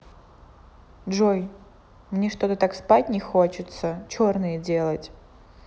джой мне что то так спать не хочется черные делать